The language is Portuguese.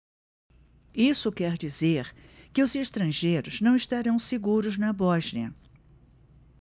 isso quer dizer que os estrangeiros não estarão seguros na bósnia